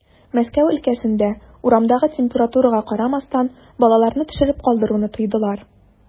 Мәскәү өлкәсендә, урамдагы температурага карамастан, балаларны төшереп калдыруны тыйдылар.